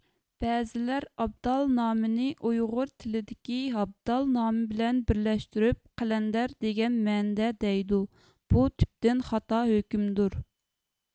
بەزىلەر ئابدال نامىنى ئۇيغۇر تىلىدىكى ھابدال نامى بىلەن بىرلەشتۈرۈپ قەلەندەر دېگەن مەنىدە دەيدۇ بۇ تۈپتىن خاتا ھۆكۈمدۇر